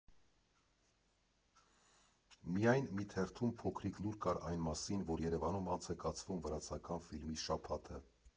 Միայն մի թերթում փոքրիկ լուր կար այն մասին, որ Երևանում անց է կացվում վրացական ֆիլմի շաբաթը։